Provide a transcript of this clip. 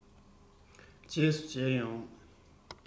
རྗེས སུ མཇལ ཡོང